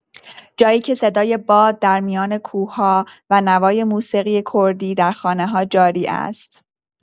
جایی که صدای باد در میان کوه‌ها و نوای موسیقی کردی در خانه‌ها جاری است.